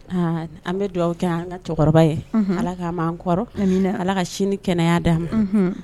A an bɛ dugawu kɛ an ka cɛkɔrɔba ye Ala k'a mɛn an kɔrɔ, unhun, Ala ka si ni kɛnɛya d'a ma